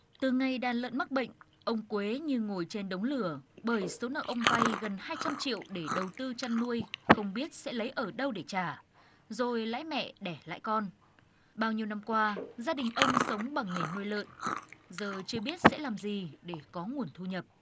từ ngày đàn lợn mắc bệnh ông quế như ngồi trên đống lửa bởi số nợ ông vay gần hai trăm triệu để đầu tư chăn nuôi không biết sẽ lấy ở đâu để trả rồi lãi mẹ đẻ lãi con bao nhiêu năm qua gia đình ông sống bằng nghề nuôi lợn giờ chưa biết sẽ làm gì để có nguồn thu nhập